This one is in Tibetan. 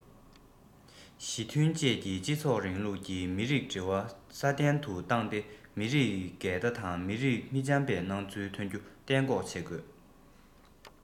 ཞི མཐུན བཅས ཀྱི སྤྱི ཚོགས རིང ལུགས ཀྱི མི རིགས འབྲེལ བ སྲ བརྟན དུ བཏང སྟེ མི རིགས འགལ ཟླ དང མི རིགས མི འཆམ པའི སྣང ཚུལ ཐོན རྒྱུ གཏན འགོག བྱེད དགོས